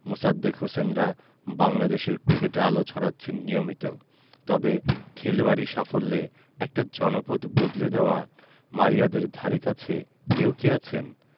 মোসাদ্দেক হোসেনরা বাংলাদেশ ক্রিকেটে আলো ছড়াচ্ছেন নিয়মিত তবে খেলোয়াড়ি সাফল্যে একটা জনপদ বদলে দেওয়া মারিয়াদের ধারেকাছে কেউ কি আছেন